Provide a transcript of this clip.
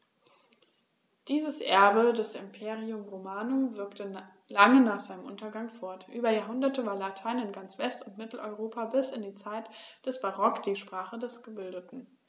Dieses Erbe des Imperium Romanum wirkte lange nach seinem Untergang fort: Über Jahrhunderte war Latein in ganz West- und Mitteleuropa bis in die Zeit des Barock die Sprache der Gebildeten.